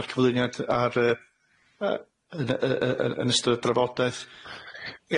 o'r cyflwyniad ar y yy yn y y y yn ystod y drafodeth.